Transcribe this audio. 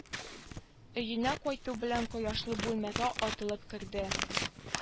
Өенә кайту белән кояшлы бүлмәгә атылып керде